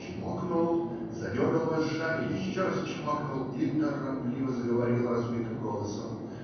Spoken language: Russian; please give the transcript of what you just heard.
чмокнул, задергал вожжами, еще раз чмокнул и торопливо заговорил разбитым голосом